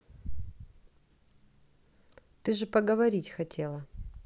ты же поговорить хотела